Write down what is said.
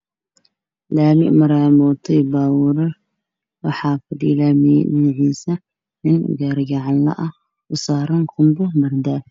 Waa laami waxaa maraayo mooto iyo baabuuro, waxaa laamiga dhinaciisa waxaa fadhiyo nin wato gaari gacan waxaa u saaran qumbe mardaaf.